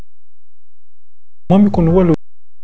ممكن